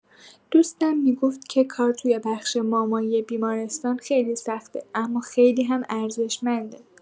دوستم می‌گفت که کار توی بخش مامایی بیمارستان خیلی سخته اما خیلی هم ارزشمنده.